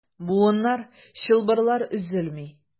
Буыннар, чылбырлар өзелми.